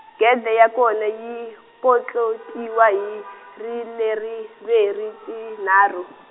gede ya kona yi kotletiwa hi rineriveri- tinharhu.